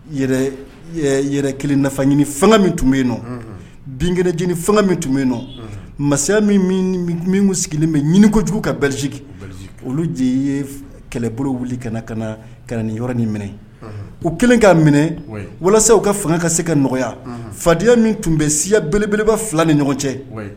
Nafa fanga min tun bɛ yen nɔ bin kelenc fanga min tun bɛ yen nɔ masaya min sigilen bɛ ɲini kojugu ka berej olu jɛ ye kɛlɛbolo wuli ka ka ka ni yɔrɔ ni minɛ ko kelen k'a minɛ walasaw ka fanga ka se ka nɔgɔya fadenyaya min tun bɛ siya belebeleba fila ni ɲɔgɔn cɛ